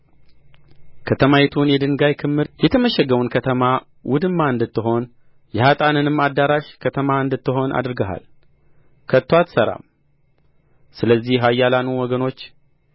ከተማይቱን የድንጋይ ክምር የተመሸገችውን ከተማ ውድማ እንድትሆን የኀጥአንንም አዳራሽ ከተማ እንዳትሆን አድርገሃል ከቶ አትሠራም ስለዚህ ኃያላኑ ወገኖች